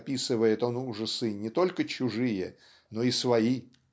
описывает он ужасы не только чужие но и свои.